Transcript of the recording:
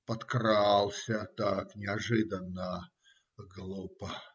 Подкрался так неожиданно. глупо.